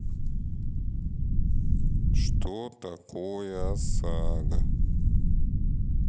что такое осаго